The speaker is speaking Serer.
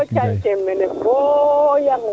mene boo *